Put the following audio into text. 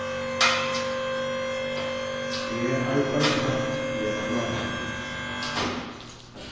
eg arbeiði hart fyri at klára meg